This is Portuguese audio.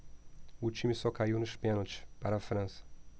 o time só caiu nos pênaltis para a frança